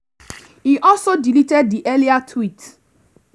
He also deleted the earlier tweet.